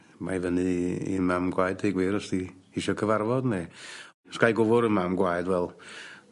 mae fyny i mam gwaed fi gwir os 'di isio cyfarfod ne' os gai gwfwr 'yn mam gwaed wel